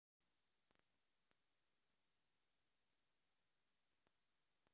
нет спасибо пока